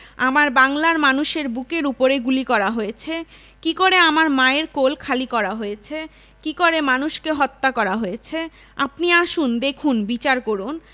আমার বাংলার মানুষের বুকের উপরে গুলি করা হয়েছে কী করে আমার মায়ের কোল খালি করা হয়েছে কী করে মানুষকে হত্যা করা হয়েছে আপনি আসুন দেখুন বিচার করুন